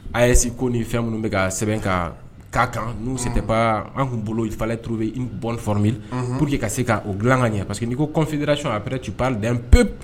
A ye se ko ni fɛn minnu bɛ ka sɛbɛn ka'a kan' sen tɛba an tun bolo falenlɛ tuuru bɛ i bɔn f min po que ka se k'o dilan ka ɲɛ parce que n'i ko kɔnferasi apɛ cipda pep